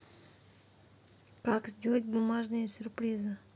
как сделать бумажные сюрпризы